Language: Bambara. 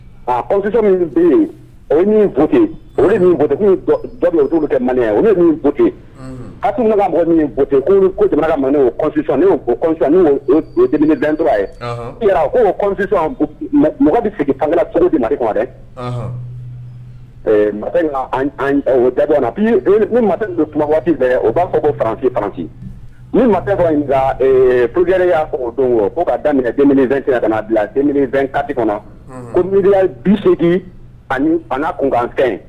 Kɔ bi yen o bute o dabo ou tɛ man o min bu ha tun'a bɔ min bute ma osɔn nto ye mɔgɔ bɛ sigi fanla bɛ mari dɛ dabo na ne ma don kuma waati fɛ u b'a fɔ koranfin fanranfin ni ma pjɛ y'a o don fo k ka daminɛ fɛn ka na bila den kati kɔnɔ ko mi biseegin ani fana kunkan an fɛn